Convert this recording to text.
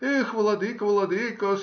Эх, владыко, владыко!